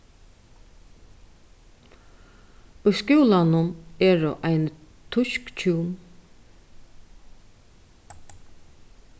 í skúlanum eru eini týsk hjún